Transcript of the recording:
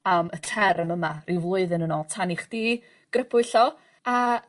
am y term yma rhyw flwyddyn yn ôl tan i chdi grybwyll o a